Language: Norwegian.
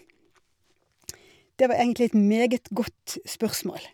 Det var egentlig et meget godt spørsmål.